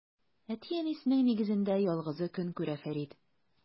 Әти-әнисенең нигезендә ялгызы көн күрә Фәрид.